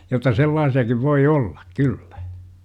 jotta sellaisiakin voi olla kyllä